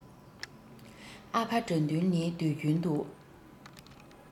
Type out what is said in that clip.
ཨ ཕ དགྲ འདུལ ནི དུས རྒྱུན དུ